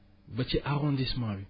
ba ci arrondissement bi